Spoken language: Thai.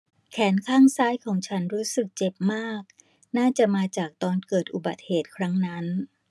แขนข้างซ้ายของฉันรู้สึกเจ็บมากน่าจะมาจากตอนเกิดอุบัติเหตุครั้งนั้น